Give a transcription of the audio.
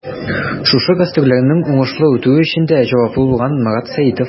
Шушы гастрольләрнең уңышлы үтүе өчен дә җаваплы булган Марат Сәитов.